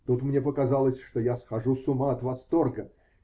Тут мне показалось, что я схожу с ума от восторга